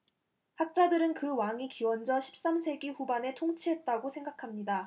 학자들은 그 왕이 기원전 십 삼 세기 후반에 통치했다고 생각합니다